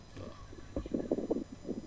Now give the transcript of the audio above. waa